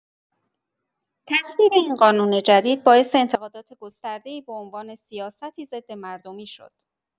تصویب این قانون جدید باعث انتقادات گسترده‌ای به‌عنوان سیاستی ضدمردمی شد.